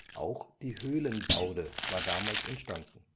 Auch die Höhlenbaude war damals entstanden